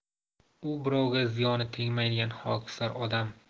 u birovga ziyoni tegmaydigan xokisor odam